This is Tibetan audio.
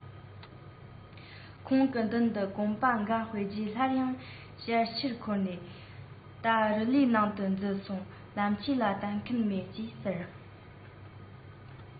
ཁོང གི མདུན དུ གོམ པ འགའ སྤོས རྗེས སླར ཡང ཞལ ཕྱིར འཁོར ནས ད རི ལིའི ནང དུ འཛུལ སོང ལམ ཆས ལ ལྟ མཁན མེད ཅེས ཟེར